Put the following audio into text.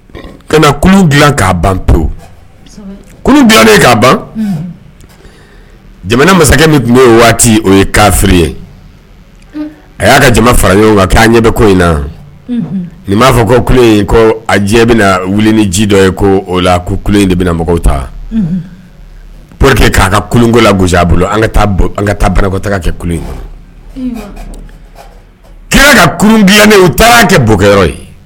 Kana dila'a ban pe bilanen k'a ban jamana masakɛ min tun bɛ yen waati o ye kafi ye a y'a ka jama fara ɲɔgɔn kan k' ɲɛ bɛ ko in na nin b'a fɔ ko in ko a diɲɛ bɛna wuli ni ji dɔ ye ko o la kou ku in de bɛna mɔgɔw ta pour que k'a ka kugo la bo bolo an ka taa barakɔta kɛ kulu kɔnɔ kira ka u taara an kɛ boyɔrɔ ye